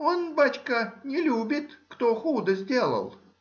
Он, бачка, не любит, кто худо сделал.